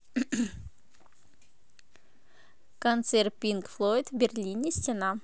концерт пинк флойд в берлине стена